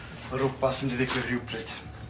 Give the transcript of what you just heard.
Ma' rwbath mynd i ddigwydd rywbryd.